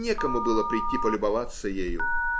Некому было прийти полюбоваться ею